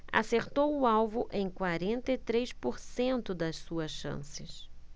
acertou o alvo em quarenta e três por cento das suas chances